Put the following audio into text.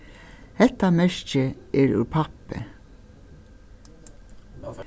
hetta merkið er úr pappi